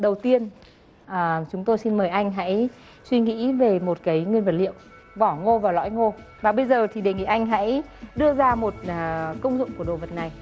đầu tiên à chúng tôi xin mời anh hãy suy nghĩ về một cái nguyên vật liệu vỏ ngô và lõi ngô và bây giờ thì đề nghị anh hãy đưa ra một à công dụng của đồ vật này